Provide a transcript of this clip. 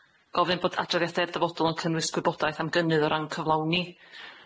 gofyn bod adroddiadau'r dyfodol yn cynnwys gwybodaeth am gynnydd o ran cyflawni,